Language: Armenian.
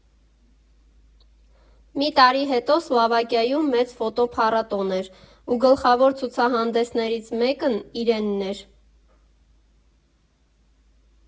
Մի տարի հետո Սլովակիայում մեծ ֆոտո փառատոն էր ու գլխավոր ցուցահանդեսներից մեկն իրենն էր։